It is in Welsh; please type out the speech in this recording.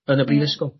Yn y brifysgol.